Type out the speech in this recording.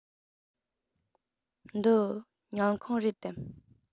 འདི ཉལ ཁང རེད དམ